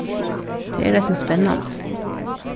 tað er eisini spennandi